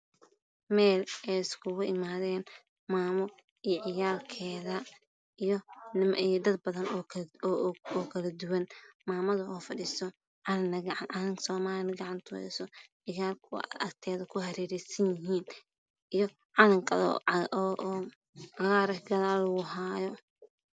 Waa meel ay iskugu imaadeen maamo iyo ciyaalkeeda iyo dad badan oo kale duwan. Maamada oo fadhiso calanka soomaaliya ayay gacanta kuheystaa ciyaalkana agteeda ayay kuhareeraysan yihiin. Calan kala oo cagaarana gadaal ayaa looga hayaa.